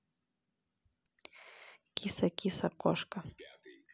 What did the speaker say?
киса киса кошка